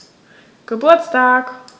Geburtstag